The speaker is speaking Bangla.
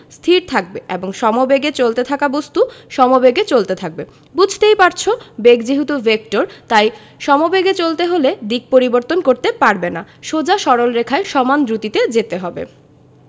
স্থির থাকবে এবং সমেবেগে চলতে থাকা বস্তু সমেবেগে চলতে থাকবে বুঝতেই পারছ বেগ যেহেতু ভেক্টর তাই সমবেগে চলতে হলে দিক পরিবর্তন করতে পারবে না সোজা সরল রেখায় সমান দ্রুতিতে যেতে হবে